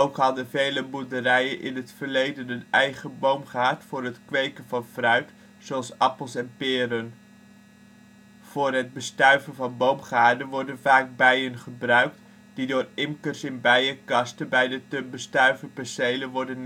hadden vele boerderijen in het verleden een eigen boomgaard voor het kweken van fruit zoals appels en peren. Voor het bestuiven van boomgaarden worden vaak bijen gebruikt, die door imkers in bijenkasten bij de bestuiven percelen worden